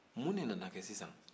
mun de nana kɛ